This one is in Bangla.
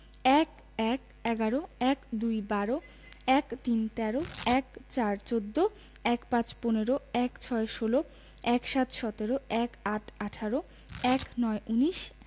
১১ - এগারো ১২ - বারো ১৩ - তেরো ১৪ - চৌদ্দ ১৫ – পনেরো ১৬ - ষোল ১৭ - সতেরো ১৮ - আঠারো ১৯ - উনিশ